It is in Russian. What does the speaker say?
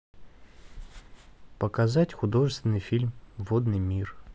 показать художественный фильм водный мир